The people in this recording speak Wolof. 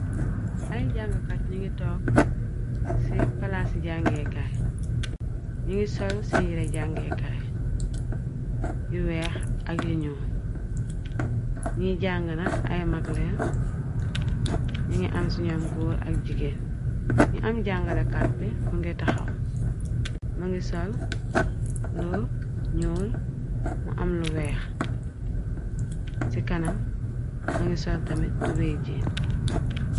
ay jàngkat ñu ngi tog ci palaa ci jangeekaay ñu ngi sol seen jire jàngeekaay yu weex ak yiñu ñiy jàng nag ay maglee ñu ngi am ci ñoom góor ak jigeen ñi am jàngalekat bi mu ngay taxaw mëngi sol lo ñuur mu am lu weex ci kanam mëngi sol tami tubey jii